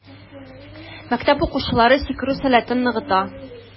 Мәктәп укучылары сикерү сәләтен ныгыта.